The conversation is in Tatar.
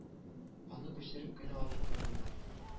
Аны күчереп кенә алып куйганнар